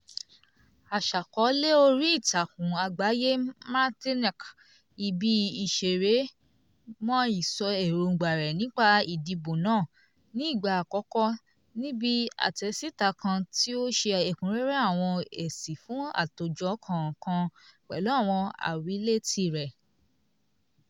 Aṣàkọ́ọ́lẹ̀ orí ìtàkùn àgbáyé Martinique ibi ìṣeré [moi] sọ èróńgbà rẹ̀ nípa ìdìbò náà ní ìgbà àkọ́kọ́, níbi àtẹ̀síta kan tí ó ṣe ẹ̀kúnrẹ́rẹ́ àwọn èsì fún àtòjọ kọ̀ọ̀kan, pẹ̀lú àwọn àwílé tirẹ̀.